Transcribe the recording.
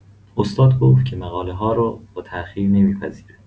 استاد گفت که مقاله‌ها رو با تاخیر نمی‌پذیره.